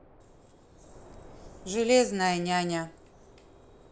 железная няня